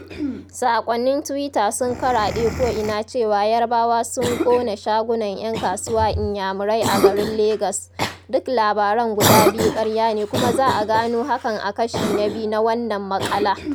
Saƙonnin tuwita sun karaɗe ko'ina cewa Yarabawa sun ƙona shagunan 'yan kasuwa Inyamirai a garin Legas. Duk labaran guda biyu ƙarya ne kuma za a gano hakan a Kashi na II na wannan maƙala.